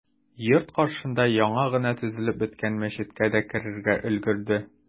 Йорт каршында яңа гына төзелеп беткән мәчеткә дә керергә өлгерде.